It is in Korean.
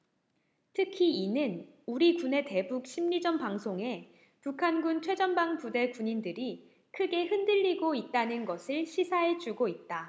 특히 이는 우리 군의 대북 심리전방송에 북한군 최전방부대 군인들이 크게 흔들리고 있다는 것을 시사해주고 있다